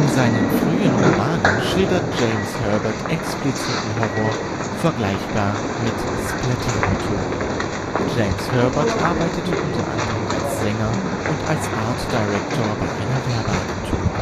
seinen frühen Romanen schildert James Herbert expliziten Horror, vergleichbar mit Splatter-Autoren. James Herbert arbeitete unter anderem als Sänger und als Art Director bei einer Werbeagentur